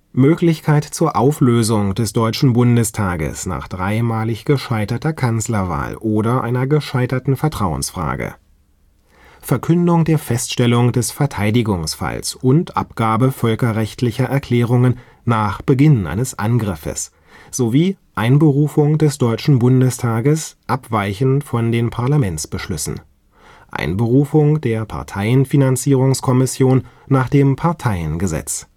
Möglichkeit zur Auflösung des Deutschen Bundestages nach dreimalig gescheiterter Kanzlerwahl oder einer gescheiterten Vertrauensfrage. Verkündung der Feststellung des Verteidigungsfalls und Abgabe völkerrechtlicher Erklärungen nach Beginn eines Angriffes sowie Einberufung des Deutschen Bundestages (abweichend von den Parlamentsbeschlüssen) Einberufung der Parteienfinanzierungskommission nach dem Parteiengesetz